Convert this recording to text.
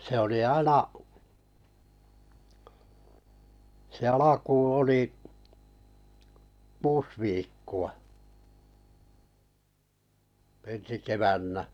se oli aina se alkuun oli kuusi viikkoa ensi keväänä